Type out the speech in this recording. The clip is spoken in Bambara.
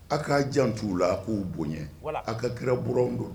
Aw k' jan t' la a k'o bonya a aw ka g kira b bɔra don